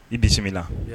I bisimila